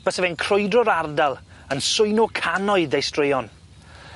Bysa fe'n crwydro'r ardal yn swyno cannoedd 'da'i straeon.